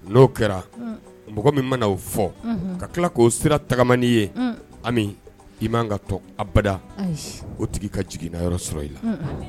N'o kɛra mɔgɔ min mana na'o fɔ ka tila k'o sira tagamani ye i' ka tɔ abada o tigi ka jiginnayɔrɔ sɔrɔ i la